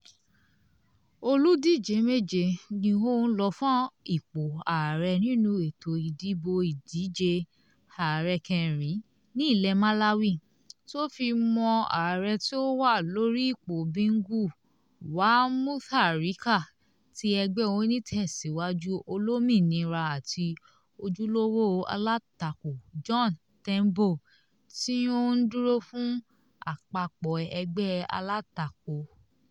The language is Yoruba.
Olùdíje méje ni ó ń lọ fún ipò ààrẹ nínú ètò ìdìbò ìdíje ààrẹ kẹrin ní ilẹ̀ Malawi, tí ó fi mọ́ ààrẹ tí ó wà lórí ipò Bingu wa Mutharika ti ẹgbẹ́ onítẹ̀síwájú Olómìnira àti ojúlówó alátakò John Tembo, tí ó ń dúró fún àpapọ̀ ẹgbẹ́ alátakò.